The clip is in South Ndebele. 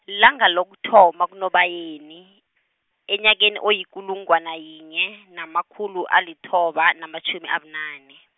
lilanga lokuthoma kuNobayeni, enyakeni oyikulungwana yinye, namakhulu alithoba, namatjhumi abunane.